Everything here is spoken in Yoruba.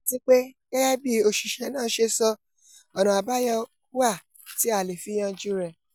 Àti pé gẹ́gẹ́ bí òṣìṣẹ́ náà ṣe sọ, ọ̀nà àbáyọ wà tí a lè fi yanjú rẹ̀.